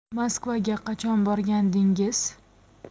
moskvaga qachon borgandingiz